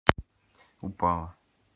упала